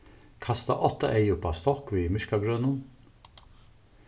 kasta átta eygu uppá stokk við myrkagrønum